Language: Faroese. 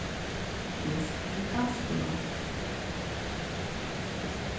minst til taskuna